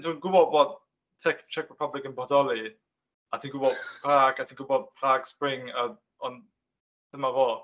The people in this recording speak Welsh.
Dwi'n gwybod bod Czech Czech Republic yn bodoli, a dwi'n gwybod Prag, a dwi'n gwybod Prague Spring, a... ond dyna fo.